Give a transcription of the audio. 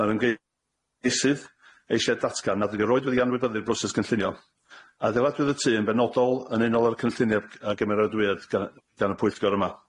Ma'r ymgei- -eisydd eisiau datgan nad ydi o 'rioed wedi anwybyddu'r broses gynllunio. Adeiladwyd y tŷ yn benodol yn unol â'r cynllunia' a gymeradwywyd gan- gan y pwyllgor yma.